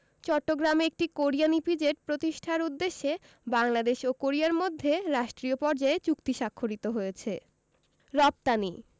চট্টগ্রামে একটি Korean EPZ প্রতিষ্ঠার উদ্দেশ্যে বাংলাদেশ ও কোরিয়ার মধ্যে রাষ্ট্রীয় পর্যায়ে চুক্তি স্বাক্ষরিত হয়েছে রপ্তানি